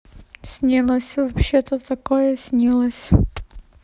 снилось вообще то такое снилось